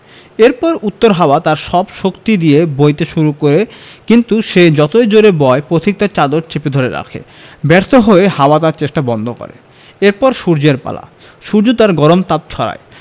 এরপর উত্তর হাওয়া তার সব শক্তি দিয়ে বইতে শুরু করে কিন্তু সে যতই জোড়ে বয় পথিক তার চাদর চেপে ধরে রাখে ব্যর্থ হয়ে হাওয়া তার চেষ্টা বন্ধ করে এর পর সূর্যের পালা সূর্য তার গরম তাপ ছড়ায়